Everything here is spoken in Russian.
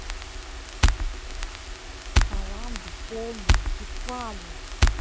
баланды полные кефали